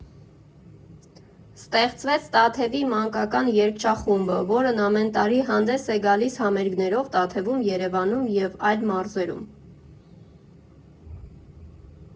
Ստեղծվեց Տաթևի մանկական երգչախումբը, որն ամեն տարի հանդես է գալիս համերգներով Տաթևում, Երևանում և այլ մարզերում։